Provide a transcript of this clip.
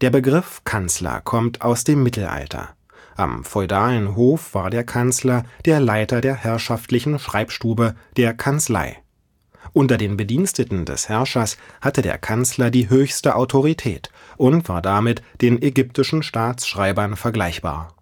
Begriff „ Kanzler “kommt aus dem Mittelalter: Am feudalen Hof war der Kanzler der Leiter der herrschaftlichen Schreibstube, der Kanzlei. Unter den Bediensteten des Herrschers hatte der Kanzler die höchste Autorität und war damit den ägyptischen Staatsschreibern vergleichbar